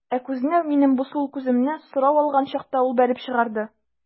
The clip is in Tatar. Ә күзне, минем бу сул күземне, сорау алган чакта ул бәреп чыгарды.